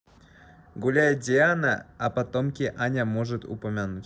гуляет диана а потомки аня может упомянуть